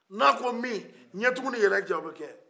n'a ko min ɲɛ tugun n'a yɛlɛ cɛ o bɛ kɛ